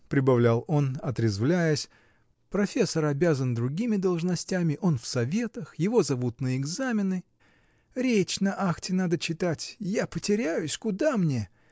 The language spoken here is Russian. — прибавлял он, отрезвляясь, — профессор обязан другими должностями, он в советах, его зовут на экзамены. Речь на акте надо читать. Я потеряюсь, куда мне!